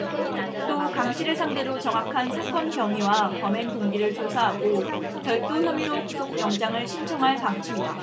또 강씨를 상대로 정확한 사건경위와 범행 동기를 조사하고 절도 혐의로 구속영장을 신청할 방침이다